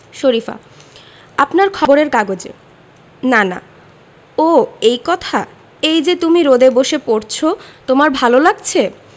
শরিফা আপনার খবরের কাগজে নানা ও এই কথা এই যে তুমি রোদে বসে পড়ছ তোমার ভালো লাগছে